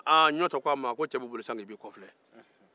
ɲɔtɔ ko a ko cɛ bɛ boli sa nk k'i b'i kɔfilɛ